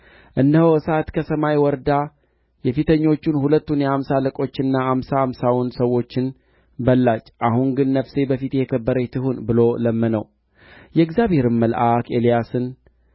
ደግሞም ሦስተኛ የአምሳ አለቃ ከአምሳ ሰዎች ጋር ሰደደ ሦስተኛውም የአምሳ አለቃ ወጥቶ በኤልያስ ፊት በጕልበቱ ተንበረከከና የእግዚአብሔር ሰው ሆይ ነፍሴና የእነዚህ የአምሳው ባሪያዎችህ ነፍስ በፊትህ የከበረች ትሁን